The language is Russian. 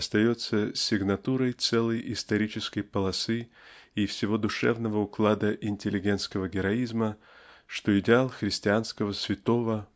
остается сигнатурой целой исторической полосы и всего душевного уклада интеллигентского героизма что идеал христианского святого